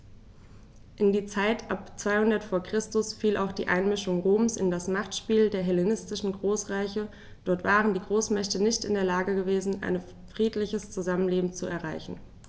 In die Zeit ab 200 v. Chr. fiel auch die Einmischung Roms in das Machtspiel der hellenistischen Großreiche: Dort waren die Großmächte nicht in der Lage gewesen, ein friedliches Zusammenleben zu erreichen.